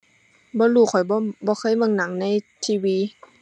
บ่รู้ ข้อยบ่ บ่เคยเบิ่งหนังใน TV